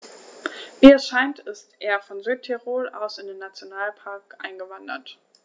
Wie es scheint, ist er von Südtirol aus in den Nationalpark eingewandert.